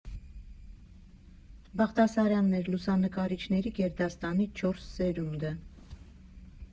Բաղդասարյաններ՝ լուսանկարիչների գերդաստանի չորս սերունդը։